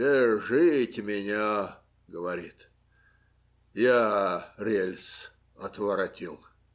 - Вяжите меня, - говорит, - я рельс отворотил.